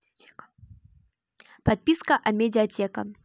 подписка амедиатека